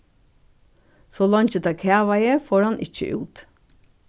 so leingi tað kavaði fór hann ikki út